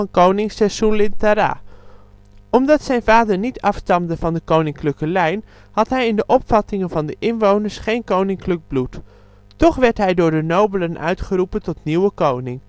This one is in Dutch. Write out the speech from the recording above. koning Sensulinthara. Omdat zijn vader niet afstamde van de koninklijke lijn had hij in de opvattingen van de inwoners geen koninklijk bloed. Toch werd hij door de nobelen uitgeroepen tot nieuwe koning